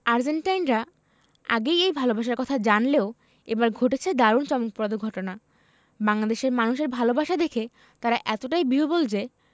আর্জেন্টাইনরা আগেই এই ভালোবাসার কথা জানলেও এবার ঘটেছে দারুণ চমকপ্রদ ঘটনা বাংলাদেশের মানুষের ভালোবাসা দেখে তারা এতটাই বিহ্বল যে